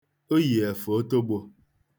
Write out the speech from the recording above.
O yi efe otogbo.